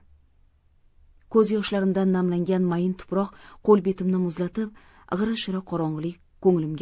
ko'z yoshlarimdan namlangan mayin tuproq qo'l betimni muzlatib g'ira shira qorong'ulik ko'nglimga